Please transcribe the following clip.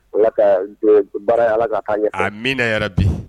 Ala ka baara ala ka' ɲɛ a min yɛrɛ bi